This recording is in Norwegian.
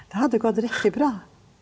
det hadde gått riktig bra.